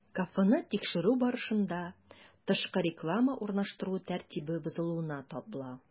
Кафены тикшерү барышында, тышкы реклама урнаштыру тәртибе бозылуына тап була.